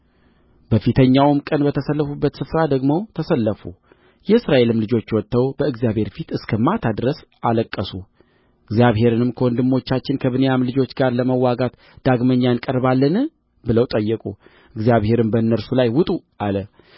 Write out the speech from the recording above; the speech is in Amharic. በፊተኛውም ቀን በተሰለፉበት ስፍራ ደግመው ተሰለፉ የእስራኤልም ልጆች ወጥተው በእግዚአብሔር ፊት እስከ ማታ ድረስ አለቀሱ እግዚአብሔርንም ከወንድሞቻችን ከብንያም ልጆች ጋር ለመዋጋት ዳግመኛ እንቀርባለን ብለው ጠየቁ እግዚአብሔርም በእነርሱ ላይ ውጡ አለ